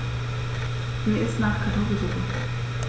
Mir ist nach Kartoffelsuppe.